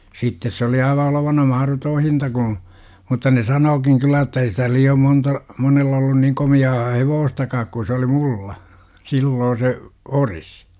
sitten se oli aivan olevinaan mahdoton hinta - mutta ne sanookin kyllä että ei sitä liian monta monella ollut niin komeaa hevostakaan kun se oli minulla silloin se ori